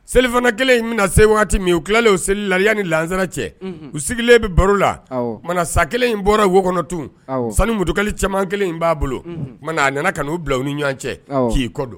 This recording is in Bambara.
Selifana kelen in bɛna na se waati min u tilalalen o seli laya ni lazsara cɛ u sigilenlen bɛ baro la mana sa kelen in bɔra wokɔnɔ tun sanu mutukali cɛman kelen in b'a bolo a nana ka uu bila u ni ɲɔgɔn cɛ ki kɔ don